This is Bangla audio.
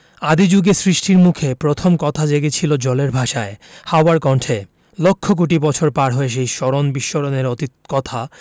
আদি জুগে সৃষ্টির মুখে প্রথম কথা জেগেছিল জলের ভাষায় হাওয়ার কণ্ঠে লক্ষ কোটি বছর পার হয়ে সেই স্মরণ বিস্মরণের অতীত কথা